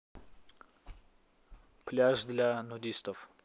пляж для нудистов